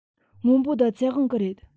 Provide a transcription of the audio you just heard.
སྔོན པོ འདི ཚེ དབང གི རེད